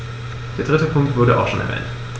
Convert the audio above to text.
Der dritte Punkt wurde auch schon erwähnt.